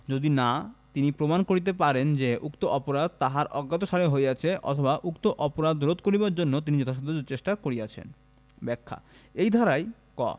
যদি না তিনি প্রমাণ করিতে পারেন যে উক্ত অপরাধ তাহার অজ্ঞাতসারে হইয়াছে অথবা উক্ত অপরাধ রোধ করিবার জন্য তিনি যথাসাধ্য চেষ্টা করিয়াছেন ব্যাখ্যাঃ এই ধারায়ঃ ক